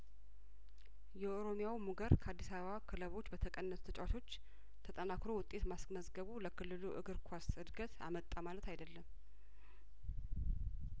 የኦሮሚያው ሙገር ከአዲስ አበባ ክለቦች በተቀነሱ ተጫዋቾች ተጠናክሮ ውጤት ማስመዝገቡ ለክልሉ እግር ኳስ እድገት አመጣ ማለት አይደለም